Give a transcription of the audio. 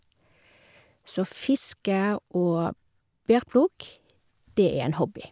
Så fiske og bærplukk, det er en hobby.